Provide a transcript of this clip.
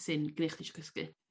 sy'n gneu chdi isio cysgu.